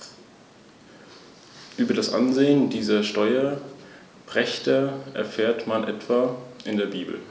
Es folgten Konflikte mit den Antigoniden, wobei Rom in Griechenland gegen Philipp V. intervenierte, um den makedonischen Einfluss in Griechenland zurückzudrängen.